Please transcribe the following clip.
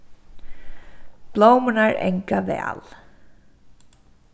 blómurnar anga væl